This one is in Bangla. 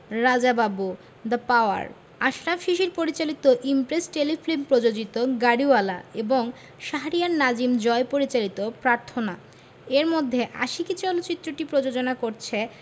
রাজা বাবু দ্যা পাওয়ার আশরাফ শিশির পরিচালিত ইমপ্রেস টেলিফিল্ম প্রযোজিত গাড়িওয়ালা এবং শাহরিয়ার নাজিম জয় পরিচালিত প্রার্থনা এর মধ্যে আশিকী চলচ্চিত্রটি প্রযোজনা করছে